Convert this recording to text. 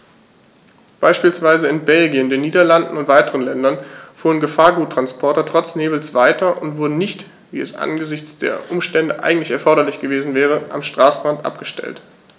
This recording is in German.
Beispielsweise in Belgien, den Niederlanden und weiteren Ländern fuhren Gefahrguttransporter trotz Nebels weiter und wurden nicht, wie es angesichts der Umstände eigentlich erforderlich gewesen wäre, am Straßenrand abgestellt.